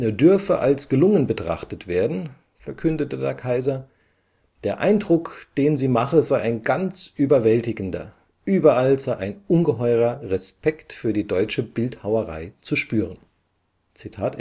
dürfe als gelungen betrachtet werden, verkündete der Kaiser, der Eindruck, den sie mache, sei ein ganz überwältigender, überall sei ein ungeheurer Respekt für die deutsche Bildhauerei zu spüren. “Für